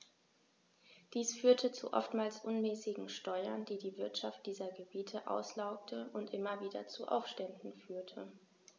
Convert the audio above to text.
Dies führte zu oftmals unmäßigen Steuern, die die Wirtschaft dieser Gebiete auslaugte und immer wieder zu Aufständen führte.